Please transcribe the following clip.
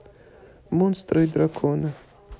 монстры и драконы